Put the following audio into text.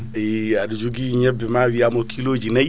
aɗa joogui ñebbe ma wiyama ko kiloji nayyi